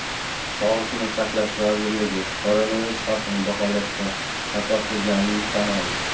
sog'liqni saqlash vazirligi koronavirus xavfini baholashda xato qilganini tan oldi